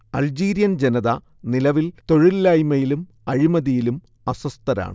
Algerian ജനത നിലവിൽ തൊഴിലില്ലായ്മയിലും അഴിമതിയിലും അസ്വസ്ഥരാണ്